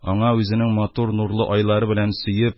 Аңа үзенең матур нурлы айлары белән сөеп,